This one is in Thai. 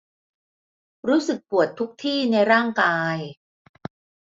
รู้สึกปวดทุกที่ในร่างกาย